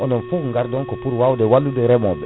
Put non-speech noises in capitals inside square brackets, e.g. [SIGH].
[NOISE] onoon foof garɗon pour wawde wallude reemoɓe